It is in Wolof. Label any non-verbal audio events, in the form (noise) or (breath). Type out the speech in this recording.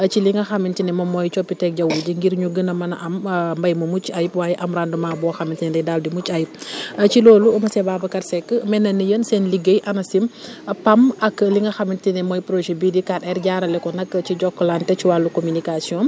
ci li nga xamante ne moom mooy coppite jaww ji ngir ñu gën a mën a am (hesitation) mbéy mu mucc ayib waaye am rendement boo xam ne tey day daal di mucc ayib (breath) ci loolu monsieur Babacar Seck mel na ni yéen seen liggéey ANACIM PAM ak li nga xamante ne mooy projet bii di 4R jaarale ko nag ci Jokalante ci wàllu communication am